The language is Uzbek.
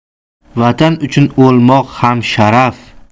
vatan uchun o'lmoq ham sharaf